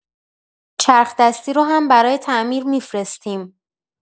چرخ‌دستی رو هم برای تعمیر می‌فرستیم.